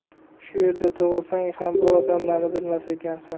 shu yerda tug'ilsang ham bu odamlarni bilmas ekansan